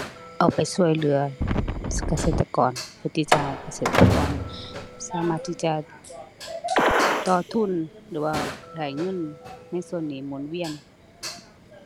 เอาไปช่วยเหลือ เกษตรกร เพื่อที่จะ เกษตรกรสามารถที่จะ ต่อทุนหรือว่าได้เงิน ในส่วนนี้หมุนเวียน